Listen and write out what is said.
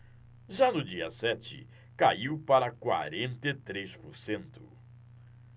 já no dia sete caiu para quarenta e três por cento